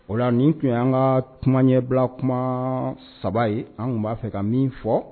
O la nin tun y'an ŋaa kuma ɲɛbila kumaa 3 ye an ŋun b'a fɛ ka min fɔ